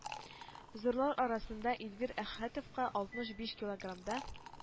Зурлар арасында Эльвир Әхәтовка алтмыш биш килограммда